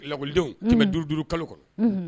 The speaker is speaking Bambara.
Lakɔlidenw tun bɛ duuru duuru kalo kɔnɔ